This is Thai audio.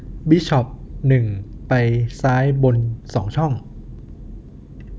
บิชอปหนึ่งไปซ้ายบนสองช่อง